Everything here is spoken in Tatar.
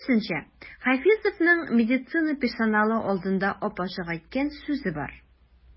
Киресенчә, Хафизовның медицина персоналы алдында ап-ачык әйткән сүзе бар.